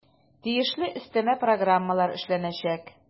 Тиешле өстәмә программалар эшләнәчәк.